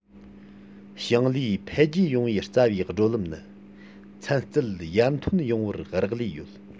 ཞིང ལས འཕེལ རྒྱས ཡོང བའི རྩ བའི བགྲོད ལམ ནི ཚན རྩལ ཡར ཐོན ཡོང བར རག ལས ཡོད